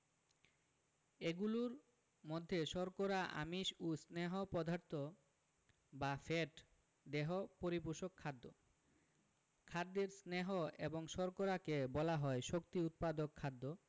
এগুলোর মধ্যে শর্করা আমিষ ও স্নেহ পদার্থ বা ফ্যাট দেহ পরিপোষক খাদ্য খাদ্যের স্নেহ এবং শর্করাকে বলা হয় শক্তি উৎপাদক খাদ্য